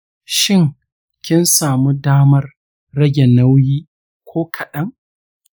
shin kin samu damar rage nauyi ko kadan?